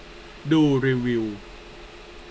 ดูรีวิว